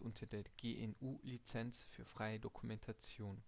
unter der GNU Lizenz für freie Dokumentation.